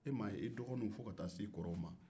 e m'a ye i dɔgɔninw fo ka ta'a se i kɔrɔw ma